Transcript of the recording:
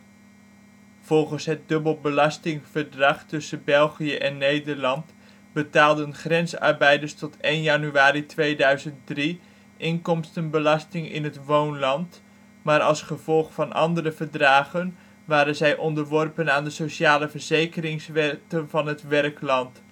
Volgens het dubbelbelastingverdrag tussen België en Nederland betaalden grensarbeiders tot 1 januari 2003 inkomstenbelasting in het woonland, maar als gevolg van andere verdragen waren zij onderworpen aan de sociale verzekeringswetten van het werkland